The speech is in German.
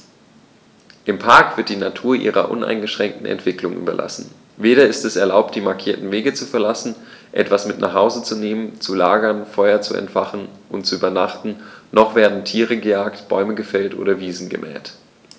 Im Park wird die Natur ihrer uneingeschränkten Entwicklung überlassen; weder ist es erlaubt, die markierten Wege zu verlassen, etwas mit nach Hause zu nehmen, zu lagern, Feuer zu entfachen und zu übernachten, noch werden Tiere gejagt, Bäume gefällt oder Wiesen gemäht.